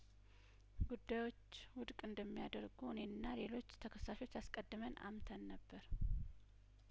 ጉዳዮች ውድቅ እንደሚያደረጉ እኔና ሌሎቹ ተከሳሾች አስቀድመን አምተን ነበር